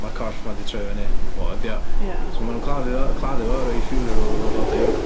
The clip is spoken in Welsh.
Mae'r corff ma 'di troi fyny, fo ydy o. So maen nhw'n claddu o... claddu fo rhoi funeral idda fo a bob dim.